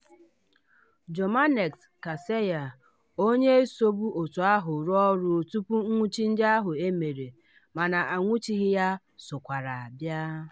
Jomanex Kasaye, onye sobu òtù ahụ rụọ ọrụ tupu nnwụchi ndị ahụ e mere (mana anwụchighị ya) sokwara bịa.